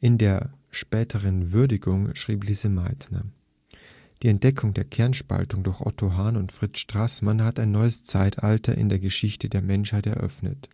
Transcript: In einer späteren Würdigung schrieb Lise Meitner: „ Die Entdeckung der Kernspaltung durch Otto Hahn und Fritz Strassmann hat ein neues Zeitalter in der Geschichte der Menschheit eröffnet.